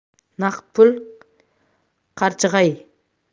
naqd pul qarchig'ay